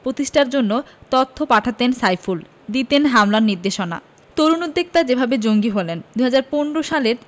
প্রতিষ্ঠার জন্য তথ্য পাঠাতেন সাইফুল দিতেন হামলার নির্দেশনা তরুণ উদ্যোক্তা যেভাবে জঙ্গি হলেন ২০১৫ সালের